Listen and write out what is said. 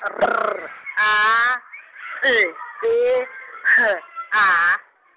R R A T E G A.